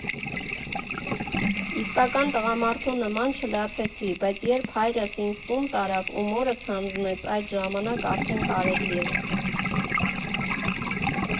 Իսկական տղամարդու նման չլացեցի, բայց երբ հայրս ինձ տուն տարավ ու մորս հանձնեց, այդ ժամանակ արդեն կարելի էր։